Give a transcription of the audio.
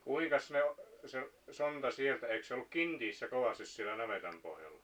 kuinkas ne se sonta sieltä eikö se ollut kiinteässä kovasti siellä navetan pohjalla